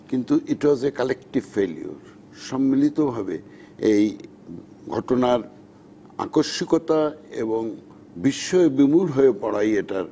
but it was a collective failure সম্মিলিতভাবে এই ঘটনার আকস্মিকতা এবং বিস্ময়ে বিমূঢ় হয়ে পড়াই এটার